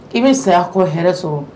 I bɛ saya kɔ hɛrɛ sɔrɔ